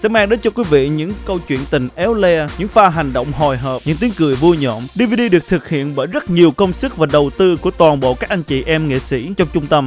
sẽ mang đến cho quý vị những câu chuyện tình éo le những pha hành động hồi hộp những tiếng cười vui nhộn đi vi đi được thực hiện bởi rất nhiều công sức và đầu tư của toàn bộ các anh chị em nghệ sĩ trong trung tâm